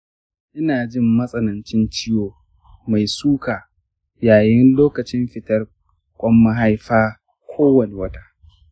ina jin matsanancin ciwo mai soka yayin lokacin fitar ƙwan mahaifa kowane wata.